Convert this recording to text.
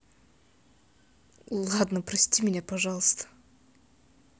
ладно прости меня пожалуйста